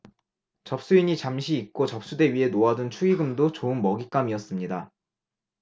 접수인이 잠시 잊고 접수대 위에 놓아둔 축의금도 좋은 먹잇감이었습니다